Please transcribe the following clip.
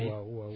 waaw waaw